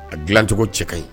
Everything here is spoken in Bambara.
A dilancogo cɛ ka ɲi!